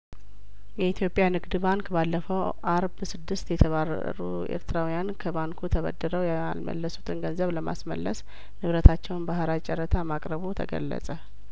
የኢትዮጵያ ንግድ ባንክ ባለፈው አርብ ስድስት የተባረሩ ኤርትራውያን ከባንኩ ተበድረው ያል መለሱትን ገንዘብ ለማስመለስ ንብረታቸውን በሀራጅ ጨረታ ማቅረቡ ተገለጸ